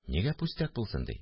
Нигә пүстәк булсын? – ди